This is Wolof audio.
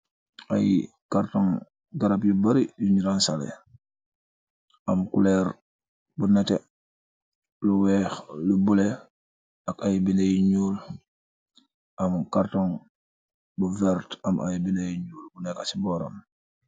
Ay cartoon garab yu bari yun ransaleh am colur bu neeteh lu weex lu bulo ak ay benda yu nuul am cartoon bu verta am ay benda yu neka ci boram.